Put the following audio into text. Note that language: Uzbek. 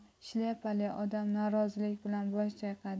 shlyapali odam norozilik bilan bosh chayqadi